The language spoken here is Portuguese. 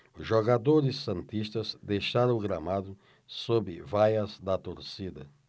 os jogadores santistas deixaram o gramado sob vaias da torcida